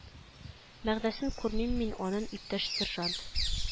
Мәгънәсен күрмим мин аның иптәш сержант